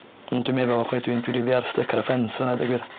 ond dwi'n meddwl chwe- dwi'n dwi'n dwi ar styc ar y ffens yna deu' gwir.